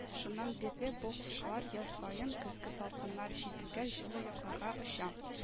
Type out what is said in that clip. Шуннан бирле бу кошлар ел саен көзге салкыннар җитүгә җылы якларга оча